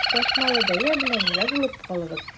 Ташламалы бәя белән язылып калыгыз!